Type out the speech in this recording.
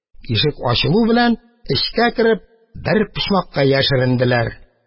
Ишек ачылу белән, эчкә кереп, бер почмакка яшеренделәр.